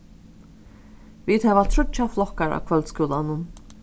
vit hava tríggjar flokkar á kvøldskúlanum